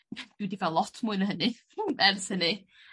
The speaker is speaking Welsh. Dwi 'di ga'l lot mwy na hynny ers hynny.